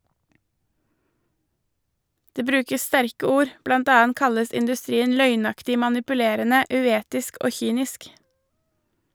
Det brukes sterke ord , blant annet kalles industrien løgnaktig, manipulerende, uetisk og kynisk.